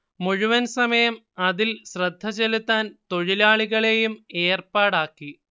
മുഴുവൻ സമയം അതിൽ ശ്രദ്ധചെലുത്താൻ തൊഴിലാളികളെയും ഏർപ്പാടാക്കി